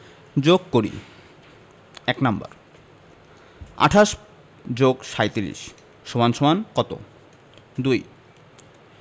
যোগ করিঃ ১ নাম্বার ২৮ যোগ ৩৭ সমান কত ২